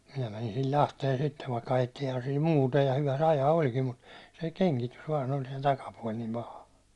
minä menin sillä Lahteen sitten vaikka ajettiinhan sillä muuta ja hyvä se ajaa olikin mutta se kengitys vain oli se takapuoli niin paha